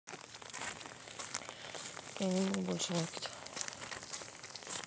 я не буду больше лайкать